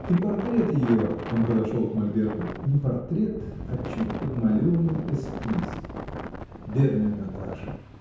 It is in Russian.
И портрет ее (он подошел к мольберту) — не портрет, а чуть подмалеванный эскиз. Бедная Наташа!